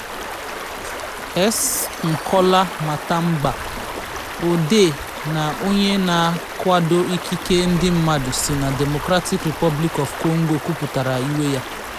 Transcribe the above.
S. Nkola Matamba, òdee na onye na-akwado ikike ndị mmadụ si na Democratic Republic of Congo, kwupụtara iwe ya: